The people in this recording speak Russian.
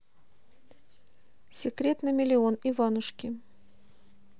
секрет на миллион иванушки